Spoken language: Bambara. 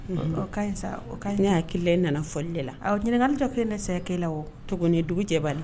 O kaɲi sa, o kaɲi ne hakili la i nana fɔli de la, ɲininkali dɔ fɛn ne saya kɛ e la o, tuguni dugu jɛbali